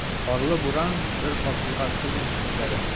Карлы буран, бер фасылга сыймый хисләре.